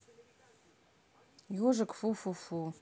ежик фу фу фу